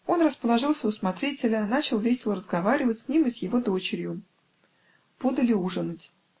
Он расположился у смотрителя, начал весело разговаривать с ним и с его дочерью. Подали ужинать.